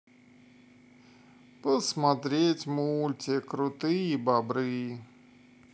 посмотреть мультик крутые бобры